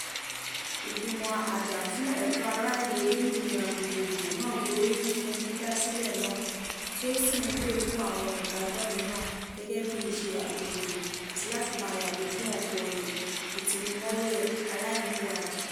Ìgbìmọ̀ Ajà-fún-ẹ̀tọ́-ará-ìlù Olómìnira Gbogbogbò náà gbóríyìn fún dídásílẹ̀ náà, tí ó sì ń pè fún àwọn ìdájọ́ mìíràn, gẹ́gẹ́ bíi iṣẹ́ agbègbè, àti láti máa yàgò fún ọ̀pọ̀ ìtinimọ́lé aláìní ìwádìí.